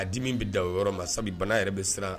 A dimi bɛ da o yɔrɔ ma sabu bana yɛrɛ bɛ siran